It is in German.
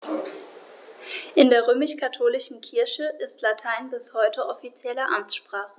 In der römisch-katholischen Kirche ist Latein bis heute offizielle Amtssprache.